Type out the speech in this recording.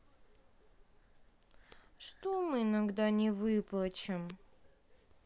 что мы иногда не выплачем